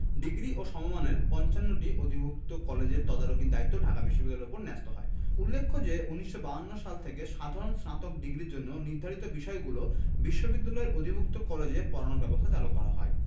degree ও সমমানের ৫৫টি অধিভুক্ত কলেজের তদারকির দায়িত্বও ঢাকা বিশ্ববিদ্যালয়ের ওপর ন্যস্ত হয় উল্লেখ্য যে ১৯৫২ সাল থেকে সাধারণ স্নাতক ডিগ্রির জন্য নির্ধারিত বিষয়গুলো বিশ্ববিদ্যালয়ের অধিভুক্ত কলেজে পড়ানোর ব্যবস্থা চালু করা হয়